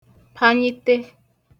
panyite